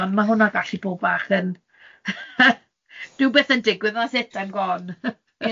ond ma' hwnna'n gallu bod bach yn rywbeth yn digwydd that's it, I'm gone.